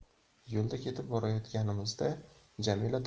yo'lda ketib borayotganimizda jamila